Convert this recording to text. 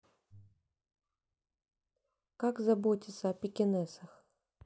как заботится о пекинесах